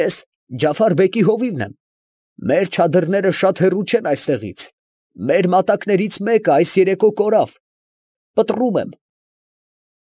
Ես Ջաֆար֊բեկի հովիվն եմ, մեր չադրները շատ հեռու չեն այստեղից. մեր մատակներից մեկը այս երեկո կորավ, պտռում եմ։